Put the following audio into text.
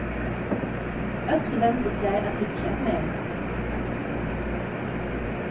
øll vendu sær at hyggja at mær